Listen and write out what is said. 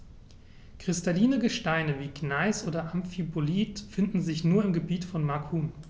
Kristalline Gesteine wie Gneis oder Amphibolit finden sich nur im Gebiet von Macun.